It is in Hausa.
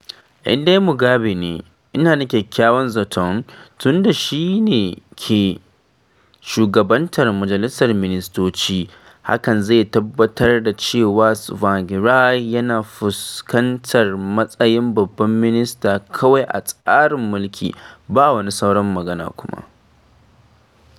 Inda Mugabe ne, ina da kyakkyawan zaton, tun da shine ke Shugabantar Majalisar Ministoci, hakan zai tabbatar da cewa Tsvangirai yana fuskantar matsayin Babban Minister kawai a tsarin mulki, ba wani sauran magana kuma .